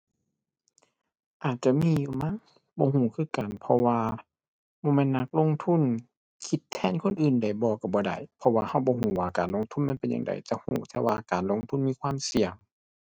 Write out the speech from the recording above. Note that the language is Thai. อาจจะมีอยู่มั้ง บ่รู้คือกัน เพราะว่าบ่แม่นนักลงทุน คิดแทนคนอื่นได้บ่รู้บ่ได้ เพราะว่ารู้บ่รู้ว่าการลงทุนมันเป็นจั่งใด แต่รู้แต่ว่าการลงทุนมีความเสี่ยง